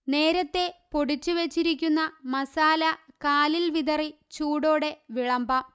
നേരത്തെ പൊടിച്ചു വച്ചിരിക്കുന്ന മസാല കാലില് വിതറി ചൂടോടെ വിളമ്പാം